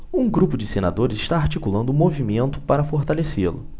um grupo de senadores está articulando um movimento para fortalecê-lo